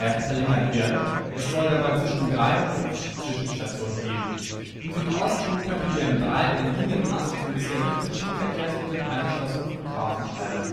verlängert werden, es soll dabei zwischen drei und fünf Zwischenstationen geben. Im Südosten könnte die M3 einen Linienast zum bisher nicht mit Schienenverkehrsmitteln angeschlossenen Flughafen erhalten